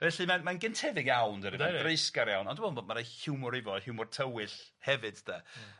Felly mae'n mae'n gyntefig iawn dydi? Ia ia. Mae'n dreisgar iawn on' dwi me'wl ma' ma'n roi hiwmor iddo hiwmor tywyll hefyd de? Hmm.